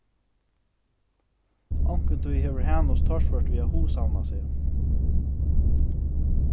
onkuntíð hevur hanus torført við at hugsavna seg